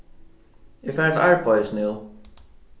eg fari til arbeiðis nú